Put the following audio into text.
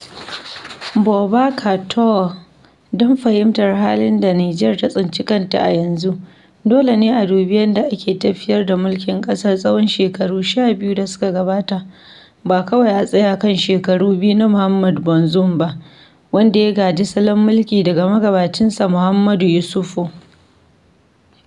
Boubacar Touré (BT): Don fahimtar halin da Niger ta tsinci kanta a yanzu, dole ne a dubi yadda aka tafiyar da mulkin ƙasar tsawon shekaru 12 da suka gabata, ba kawai a tsaya kan shekaru biyu na Mohamed Bazoum ba, wanda ya gaji salon mulki daga magabacinsa Mahamadou Issoufou.